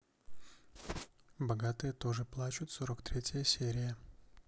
богатые тоже плачут сорок третья серия